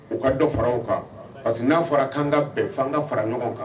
U ka dɔ faraw kan parce que n'a fɔra ka kan ka bɛn fanga ka fara ɲɔgɔn kan